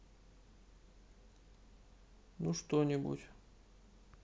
ну что нибудь